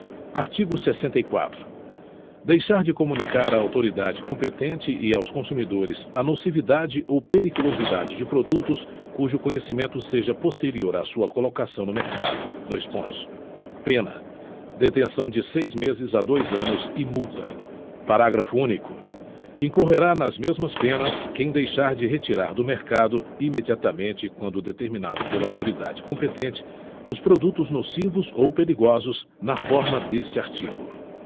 artigo sessenta e quatro deixar de comunicar à autoridade competente e aos consumidores a nocividade ou periculosidade de produtos cujo conhecimento seja posterior à sua colocação no mercado dois pontos pena detenção de seis meses a dois anos e multa parágrafo único incorrerá nas mesmas penas quem deixar de retirar do mercado imediatamente quando determinado pela autoridade competente os produtos nocivos ou perigosos na forma deste artigo